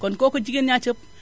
kon kooku jigéen ñaa ca ëpp